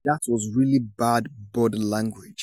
That Was Really Bad Body Language